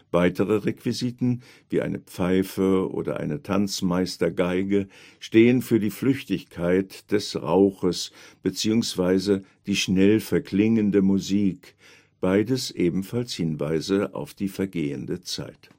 Weitere Requisiten wie eine Pfeife oder eine Tanzmeistergeige stehen für die Flüchtigkeit des Rauches beziehungsweise die schnell verklingende Musik, beides ebenfalls Hinweise auf die vergehende Zeit